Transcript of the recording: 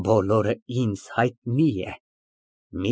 Բոլորը հայտնի է ինձ։